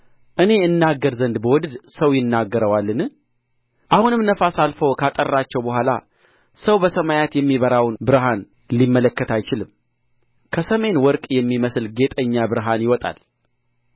እኔ እናገር ዘንድ ብወድድ ሰው ይነግረዋልን አሁንም ነፋስ አልፎ ካጠራቸው በኋላ ሰው በሰማያት የሚበራውን ብርሃን ሊመለከት አይችልም ከሰሜን ወርቅ የሚመስል ጌጠኛ ብርሃን ይወጣል